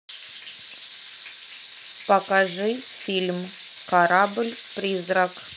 покажи фильм корабль призрак